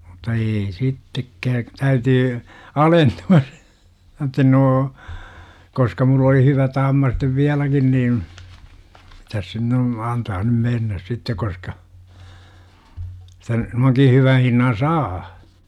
mutta ei sittenkään täytyy alentua se - että no koska minulla oli hyvä tamma sitten vieläkin niin mitäs sen nyt antaa nyt mennä sitten koska sitä ilmankin - hyvän hinnan saa